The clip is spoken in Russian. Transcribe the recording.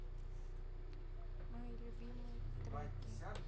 мои любимые треки